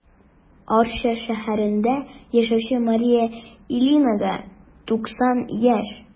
Арча шәһәрендә яшәүче Мария Ильинага 90 яшь.